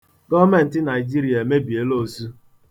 Gọọmentị Naịjiria emebiela osu.